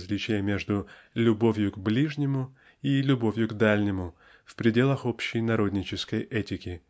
различие между "любовью к ближнему" и "любовью к дальнему" в пределах общей народнической этики.